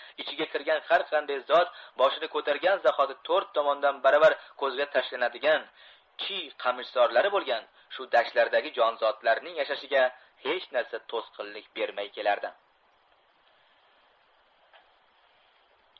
ichiga kirgan har qanday zot boshini ko'targan zahoti to'rt tomondan baravar ko'zga tashlanadigan chiy qamishzorlari bo'lgan shu dashtlardagi jonzotlarning yashashiga hech narsa to'sqinlik bermay kelardi